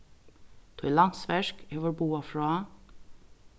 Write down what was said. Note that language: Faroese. tí landsverk hevur boðað frá